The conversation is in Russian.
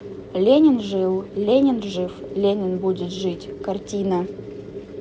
ленин жил ленин жив ленин будет жить картина